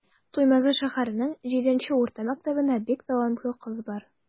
Туймазы шәһәренең 7 нче урта мәктәбендә бик талантлы кыз бар.